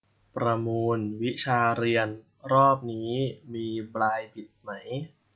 ประมูลวิชาเรียนรอบนี้มีบลายบิดไหม